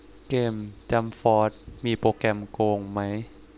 เกมจั๊มฟอสมีโปรแกรมโกงไหม